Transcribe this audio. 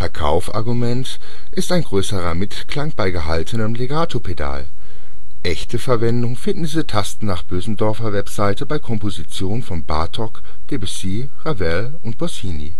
Verkaufargument ist ein größerer Mitklang bei gehaltenem Legato-Pedal; echte Verwendung finden diese Tasten nach Bösendorfer-Webseite bei Kompositionen von Bartók, Debussy, Ravel und Busoni